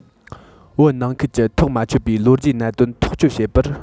བོད ནང ཁུལ གྱི ཐག མ ཆོད པའི ལོ རྒྱུས གནད དོན ཐག གཅོད བྱེད པར